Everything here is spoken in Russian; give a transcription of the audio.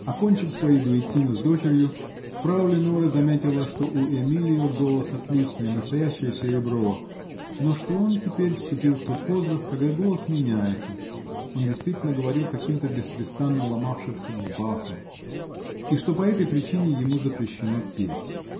Окончив свои дуэттино с дочерью, фрау Леноре заметила, что у Эмилио голос отличный, настоящее серебро, но что он теперь вступил в тот возраст, когда голос меняется (он действительно говорил каким-то беспрестанно ломавшимся басом), и что по этой причине ему запрещено петь